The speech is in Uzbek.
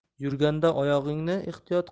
yurganda oyog'ingni ehtiyot